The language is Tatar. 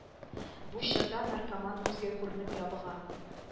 Бу чорда наркоман күзгә күренеп ябыга